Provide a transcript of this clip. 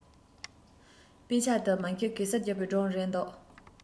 དཔེ ཆ དེ མ གཞི གེ སར རྒྱལ པོའི སྒྲུང རེད འདུག